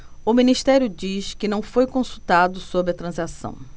o ministério diz que não foi consultado sobre a transação